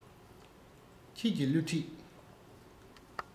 ཁྱེད ཀྱི བསླུ བྲིད